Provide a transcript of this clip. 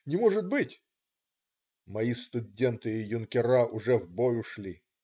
Не может быть?" - "Мои студенты и юнкера уже в бой ушли.